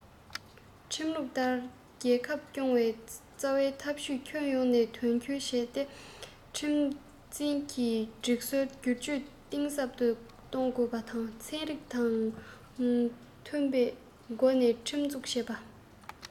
ཁྲིམས ལུགས ལྟར རྒྱལ ཁབ སྐྱོང བའི རྩ བའི ཐབས ཇུས ཁྱོན ཡོངས ནས དོན འཁྱོལ བྱས ཏེ ཁྲིམས འཛིན སྒྲིག སྲོལ སྒྱུར བཅོས གཏིང ཟབ ཏུ གཏོང དགོས པ དང ཚན རིག དང མཐུན པའི སྒོ ནས ཁྲིམས འཛུགས པ དང